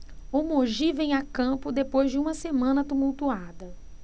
o mogi vem a campo depois de uma semana tumultuada